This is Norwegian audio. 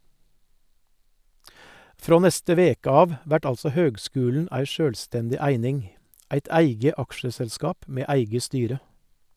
Frå neste veke av vert altså høgskulen ei sjølvstendig eining, eit eige aksjeselskap med eige styre.